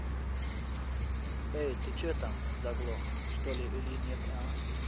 эй ты че там заглох что ли или нет а